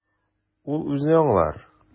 Ул үзе аңлар.